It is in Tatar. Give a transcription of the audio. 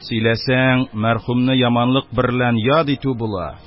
Сөйләсәң, мәрхүмне яманлык берлән яд итү була